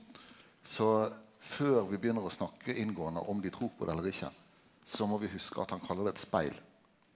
så før vi begynner å snakke inngåande om dei trur på det eller ikkje så må vi huske at han kallar det eit spegl.